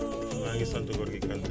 maa ngi sant Gorgui Kanté